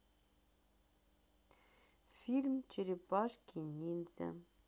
фильм черепашки ниндзя